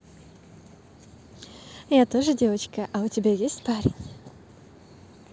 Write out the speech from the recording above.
я тоже девочка а у тебя есть парень